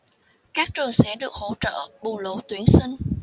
các trường sẽ được hỗ trợ bù lỗ tuyển sinh